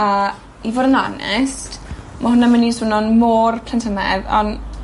a i fod yn onest ma' hwnna'n myn' i swno mor plentynnedd on'